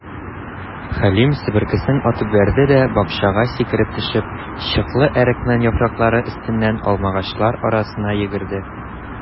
Хәлим, себеркесен атып бәрде дә, бакчага сикереп төшеп, чыклы әрекмән яфраклары өстеннән алмагачлар арасына йөгерде.